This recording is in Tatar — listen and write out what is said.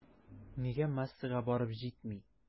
Нигә массага барып җитми?